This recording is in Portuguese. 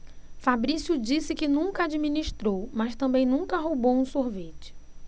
fabrício disse que nunca administrou mas também nunca roubou um sorvete